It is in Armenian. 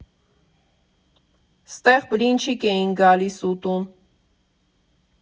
Ստեղ բլինչիկ էինք գալիս ուտում։